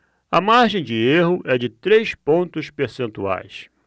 a margem de erro é de três pontos percentuais